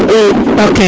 i